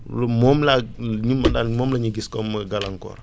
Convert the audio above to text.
lu moom laa ñi ma daal moom la ñu gis comme gàllankoor